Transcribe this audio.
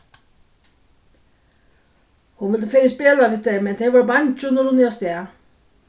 hon vildi fegin spæla við tey men tey vóru bangin og runnu avstað